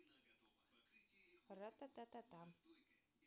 рататата